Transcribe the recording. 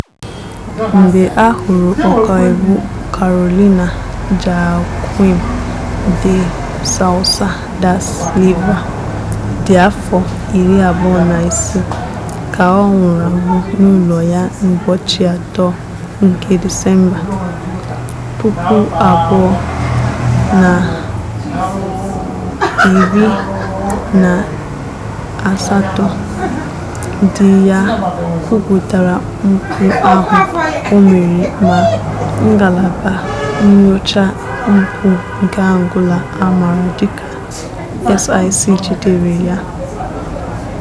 Mgbe a hụrụ ọkaiwu Carolina Joaquim de Sousa da Silva dị afọ 26 ka ọ nwụrụ anwụ n'ụlọ ya n'ụbọchị 3 nke Disemba, 2018, di ya kwupụtara mpụ ahụ o mere ma ngalaba nnyocha mpụ nke Angola a maara dịka SIC jidere ya.